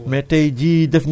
pour que nit ñu yëg ko